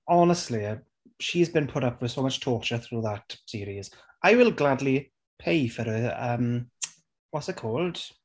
Honestly, she's been put up with so much torture through that series, I will gladly pay for her yym what's it called...